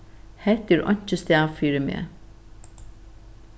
hetta er einki stað fyri meg